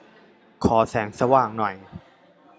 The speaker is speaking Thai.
ขอแสงสว่างหน่อย